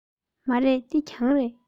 མ རེད འདི གྱང རེད